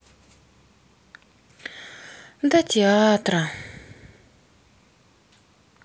до театра